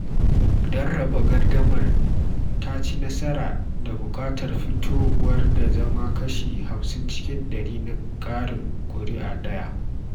Don raba gardamar ta ci nasara da buƙatar fitowar ta zama kashi 50 cikin ɗari da ƙarin kuri’a ɗaya.